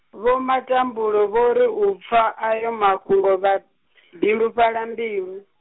Vho Matambule vho ri u pfa ayo mafhungo vha, bilufhala mbilu.